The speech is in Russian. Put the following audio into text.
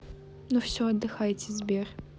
ну все отдыхай сбер